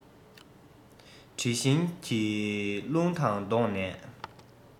དྲི བཞིན གྱི རླུང དང བསྡོངས ནས